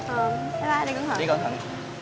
ờ bái bai đi cẩn thận